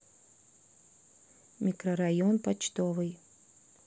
микрорайон почтовый